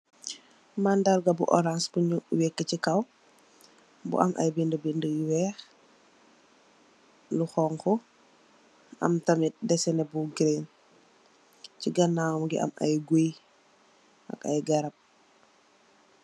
Madarga bu orance bonu weka se kaw bu am aye bede bede yu weex lu xonxo am tamin desene bu girin se ganaw muge am aye goye ak aye garab.